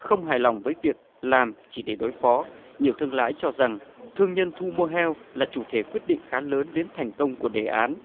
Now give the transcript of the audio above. không hài lòng với việc làm chỉ để đối phó nhiều thương lái cho rằng thương nhân thu mua heo là chủ thể quyết định khá lớn đến thành công của đề án